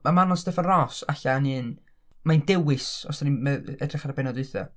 Ma' Manon Staffan Ross ella yn un mae'n dewis os da ni'n edrach ar y bennod dwytha.